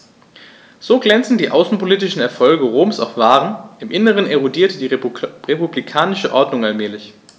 So glänzend die außenpolitischen Erfolge Roms auch waren: Im Inneren erodierte die republikanische Ordnung allmählich.